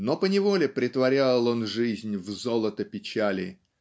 но поневоле претворял он жизнь в золото печали